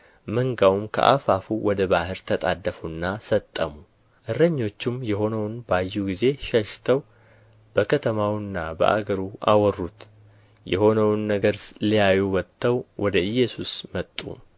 መንጋውም ከአፋፉ ወደ ባሕር ተጣደፉና ሰጠሙ እረኞችም የሆነውን ባዩ ጊዜ ሸሽተው በከተማውና በአገሩ አወሩት የሆነውን ነገር ሊያዩ ወጥተውም ወደ ኢየሱስ መጡ